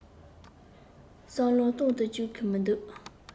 བསམ བློ གཏོང དུ བཅུག གི མི འདུག